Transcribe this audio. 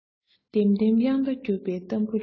ལྡེམ ལྡེམ དབྱངས རྟ འགྱུར བའི ཏམ བུ ར